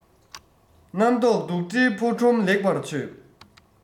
རྣམ རྟོག སྡུག འདྲེའི ཕོ ཁྲོམ ལེགས པར ཆོད